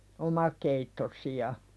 omakeittoisia